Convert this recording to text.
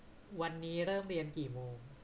วันนี้เริ่มเรียนกี่โมง